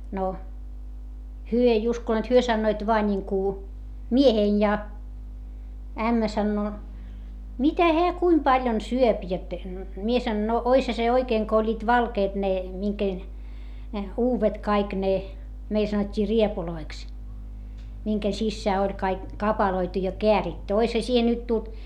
no he ei uskoneet he sanoivat vain niin kuin mieheni ja ämmä sanoo mitä hän kuinka paljon syö jotta minä sanon no olisihan se oikein kun olivat valkeat ne minkä uudet kaikki ne meillä sanottiin rievuiksi minkä sisään oli kaikki kapaloitu ja kääritty olisihan siihen nyt tullut